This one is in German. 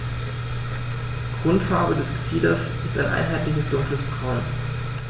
Grundfarbe des Gefieders ist ein einheitliches dunkles Braun.